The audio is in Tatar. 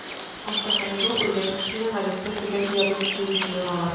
Хастаханәдә үлгән кешене, гадәттә, төгәл диагноз кую өчен яралар.